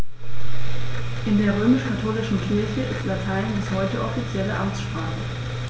In der römisch-katholischen Kirche ist Latein bis heute offizielle Amtssprache.